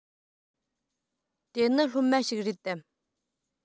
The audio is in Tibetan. དེ ནི སློབ མ ཞིག རེད དམ